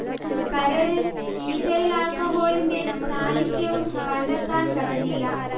കരളിൽ ഈഥെൽ ആൽക്കഹോളിന്റെ സാന്നിധ്യവും കണ്ടെത്താൻ കഴിഞ്ഞില്ല